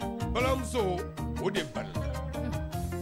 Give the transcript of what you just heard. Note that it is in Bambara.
Balimamuso o de fa